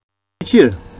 ཕྱི ཕྱིར